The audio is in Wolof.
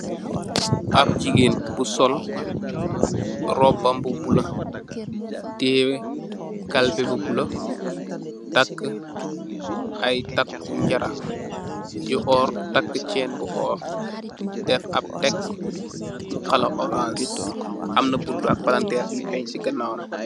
Ap jigeen bu sol robam bu bulo tiye kalpe bu bulo taka ay taki njara yu orr taka chain bu orr def am teck bu xala orance amna am palanterr yu fen si ganawam.